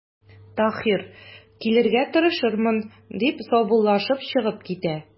Таһир:– Килергә тырышырмын,– дип, саубуллашып чыгып китә.